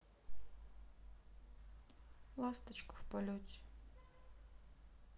ласточка в полете